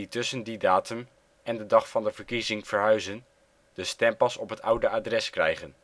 tussen die datum en de dag van de verkiezing verhuizen de stempas op het oude adres krijgen